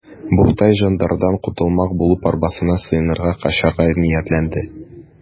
Буртай жандардан котылмак булып, арбасына сыенырга, качарга ниятләде.